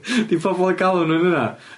'Di pobol yn galw nw'n ynna?